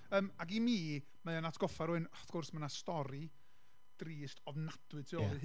Yym, ac i mi, mae o'n atgoffa rywun wrth gwrs, ma' 'na stori, drist ofnadwy tu ôl i hyn... ie...